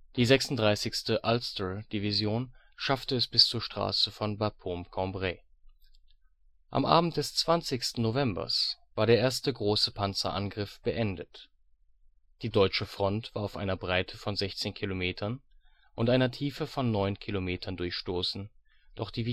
Die 36. Ulster Division schaffte es bis zur Straße von Bapaume-Cambrai. Am Abend des 20. Novembers war der erste große Panzerangriff beendet. Die deutsche Front war auf einer Breite von 16 Kilometern und einer Tiefe von neun Kilometern durchstoßen, doch die